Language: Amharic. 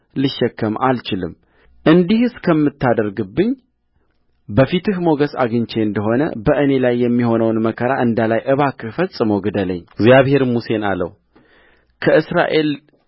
ልሸከም አልችልምእንዲህስ ከምታደርግብኝ በፊትህ ሞገስ አግኝቼ እንደ ሆነ በእኔ ላይ የሚሆነውን መከራ እንዳላይ እባክህ ፈጽሞ ግደለኝእግዚአብሔርም ሙሴን አለው ከእስራኤል